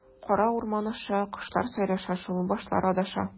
Кара урман аша, кошлар сайраша шул, башлар адаша.